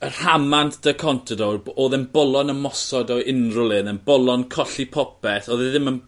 y rhamant 'da Contador bo- odd e'n bolon ymosod o unryw le ne'n bolon colli popeth odd e ddim yn